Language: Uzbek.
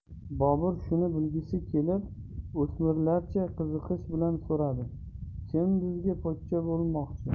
bobur shuni bilgisi kelib o'smirlarcha qiziqish bilan so'radi kim bizga pochcha bo'lmoqchi